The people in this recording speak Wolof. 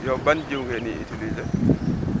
yow ban jiwu ngeen di utilisé